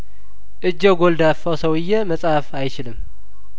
እጀ ጐልዳፋው ሰውዬ መጻፍ አይችልም